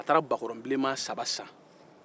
a taa bakɔrɔn bilenman saba san